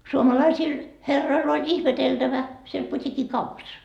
suomalaisilla herroilla oli ihmeteltävä siellä putiikkikaupassa